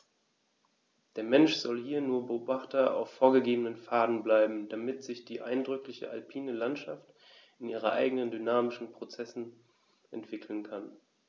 Der Mensch soll hier nur Beobachter auf vorgegebenen Pfaden bleiben, damit sich die eindrückliche alpine Landschaft in ihren eigenen dynamischen Prozessen entwickeln kann.